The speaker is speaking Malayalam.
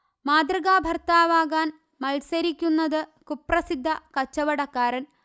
മാതൃകാഭർത്താവാകാൻ മത്സരിക്കുന്നത് കുപ്രസിദ്ധ കവർച്ചക്കാരൻ